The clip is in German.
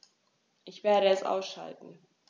Ich werde es ausschalten